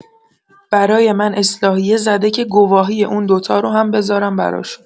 برای من اصلاحیه زده که گواهی اون دوتا رو هم بذارم براشون.